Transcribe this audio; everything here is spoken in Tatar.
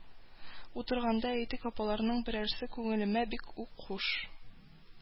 Утырганда, әйтик, апаларның берәрсе күңелемә бик үк хуш